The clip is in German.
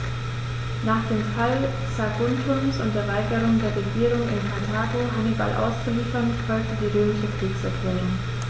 Nach dem Fall Saguntums und der Weigerung der Regierung in Karthago, Hannibal auszuliefern, folgte die römische Kriegserklärung.